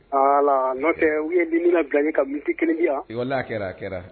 Voila nɔfɛ u ye ligne labila ka minute kelen di yan, walahi a kɛra a kɛra